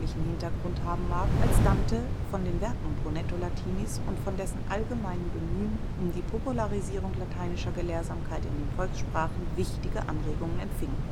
Hintergrund haben mag, als Dante von den Werken Brunetto Latinis und von dessen allgemeinem Bemühen um eine Popularisierung lateinischer Gelehrsamkeit in den Volkssprachen wichtige Anregungen empfing